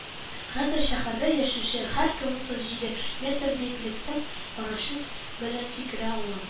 Хәзер шәһәрдә яшәүче һәркем утыз җиде метр биеклектән парашют белән сикерә ала